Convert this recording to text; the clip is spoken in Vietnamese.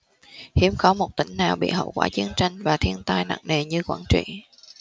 hiếm có một tỉnh nào bị hậu quả chiến tranh và thiên tai nặng nề như quảng trị